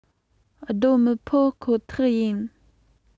སྡོད མི ཕོད ཁོ ཐག ཡིན